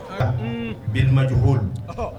Ka bimajugu hlu